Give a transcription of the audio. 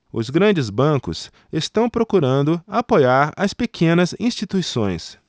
os grandes bancos estão procurando apoiar as pequenas instituições